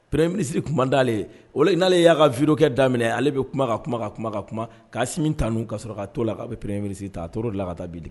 Pereyerisiri kuma dalen n'ale y'a kaiurukɛ da minɛ ale bɛ kuma ka kuma ka kuma ka kuma kaa si tan n ka sɔrɔ ka to la' aw bɛ pereyrisiri ta a t toro la ka taa bi